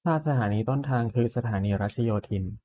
ถ้าสถานีต้นทางคือสถานีรัชโยธิน